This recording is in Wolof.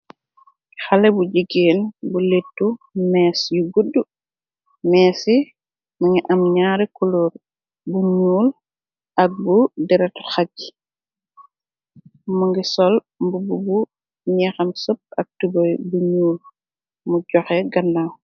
Xale bu jigeen bu lëttu mees yu guddu meesi mi ngi am ñaare kuloor bu ñuul ak bu derat xaj i mu ngi sol mbubu bu ñeexam sep ak tubey bu ñuul mu joxe ganaaw.